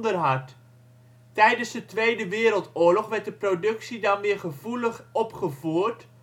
hard. Tijdens de Tweede Wereldoorlog werd de productie dan weer gevoelig opgevoerd